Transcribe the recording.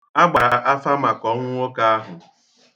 A gbara afa maka ọnwụ nwoke ahụ.